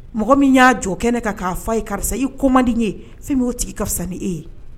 Mɔgɔ min y'a jɔ kɛnɛ ka'a fɔ ye karisa i komanden ye fɛn b'o tigi karisa ni e ye